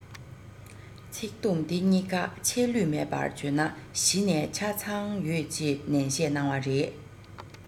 ཚིག དུམ དེ གཉིས ཀ ཆད ལུས མེད པར བརྗོད ན གཞི ནས ཆ ཚང ཡོད ཅེས ནན བཤད གནང བ རེད